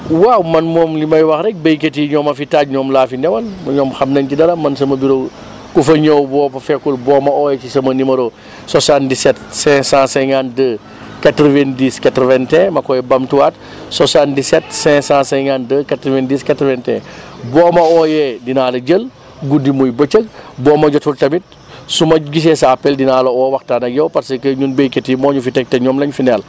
waaw amn moom li may wax rek béykat yi ñoo ma fi taaj ñoom laa fi newal ba ñoom xam nañ ci dara man sama bureau ku fay ñëw boo ma fa fekkul boo ma oowee ci sama numéro 77 552 90 81 ma koy bamtuwaat 77 552 90 81 boo ma ooyee dinaa la jël guddi muy bëccëg boo ma jotul atmùit su ma gisee sa appel dinaa la woo waxtaan ak yow parce que ñun béykat yi moo ñu fi teg te ñoom la ñu fi neyal